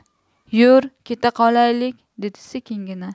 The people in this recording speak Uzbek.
yur keta qolaylik dedi sekingina